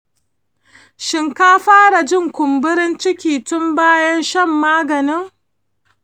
shin ka fara jin kumburin ciki tun bayan fara shan maganin?